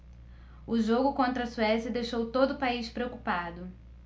o jogo contra a suécia deixou todo o país preocupado